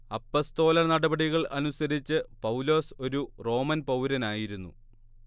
അപ്പസ്തോലനടപടികൾ അനുസരിച്ച് പൗലോസ് ഒരു റോമൻ പൗരനായിരുന്നു